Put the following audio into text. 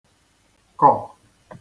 kọ̀